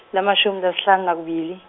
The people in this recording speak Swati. namashusmi lasihlanu nakubili.